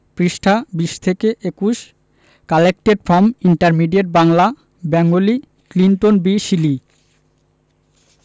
পৃষ্ঠাঃ ২০ ২১ collected from intermediate Bangla Bengali Clinton B Seely